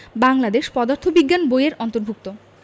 বাংলাদেশ পদার্থ বিজ্ঞান বই এর অন্তর্ভুক্ত